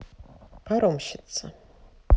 паромщица